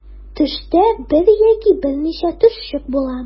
Төштә бер яки берничә төшчек була.